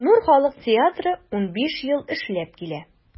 “нур” халык театры 15 ел эшләп килә.